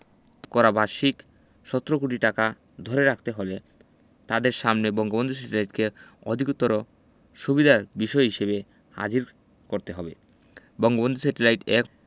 করা বার্ষিক ১৭ কোটি টাকা ধরে রাখতে হলে তাদের সামনে বঙ্গবন্ধু স্যাটেলাইটকে অধিকতর সুবিধার বিষয় হিসেবে হাজির করতে হবে বঙ্গবন্ধু স্যাটেলাইট ১